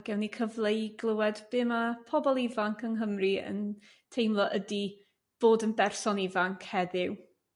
Gewn ni cyfle i glywed be' ma' pobl ifanc yng Nghymru yn teimlo ydy bod yn berson ifanc heddiw.